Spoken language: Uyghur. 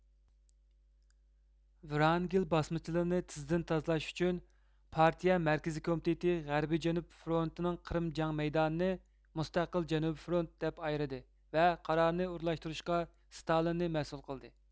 ۋرانگېل باسمىچىلىرىنى تېزدىن تازىلاش ئۈچۈن پارتىيە مەركىزىي كومىتېتى غەربىي جەنۇب فرونتىنىڭ قىرىم جەڭ مەيدانىنى مۇستەقىل جەنۇبىي فرونىت دەپ ئايرىدى ۋە قارارنى ئورۇنلاشتۇرۇشقا ستالىننى مەسئۇل قىلدى